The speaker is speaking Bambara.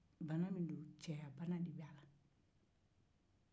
cɛyabana de b'a la